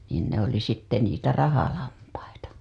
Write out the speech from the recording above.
niin ne oli sitten niitä rahalampaita